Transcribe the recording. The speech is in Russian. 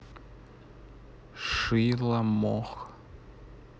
шийла мох